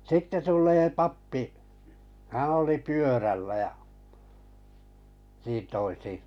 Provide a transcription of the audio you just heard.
sitten tulee pappi hän oli pyörällä ja niin toisin